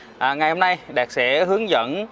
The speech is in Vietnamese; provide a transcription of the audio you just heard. à ngày hôm nay đạt sẽ hướng dẫn